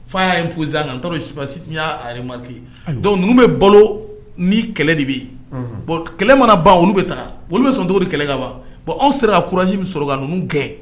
Fa y'a imposer kan, n t'a dɔn je ne sais pas ni y'a remarquer hayiwa donc ninnu bɛ balo ni kɛlɛ de bɛ yen, unhun bon kɛlɛ mana ban, olu bɛ ta, olu bɛ sɔn cogo di kɛlɛ ka ban? bon anw sera ka courage mi sɔrɔ ninnu gɛn